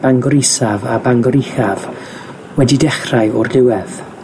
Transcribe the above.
Bangor Isaf a Bangor Uchaf wedi dechrau o'r diwedd.